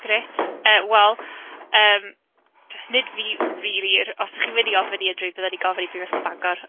Grêt, yy wel yym nid fi rili yw'r... os 'y chi'n mynd i ofyn i unrhyw un, bydden i'n gofyn i Brifysgol Bangor.